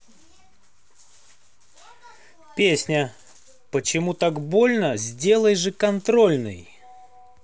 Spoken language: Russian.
песня почему так больно сделай же контрольный